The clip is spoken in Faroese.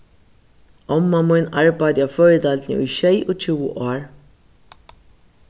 omma mín arbeiddi á føðideildini í sjeyogtjúgu ár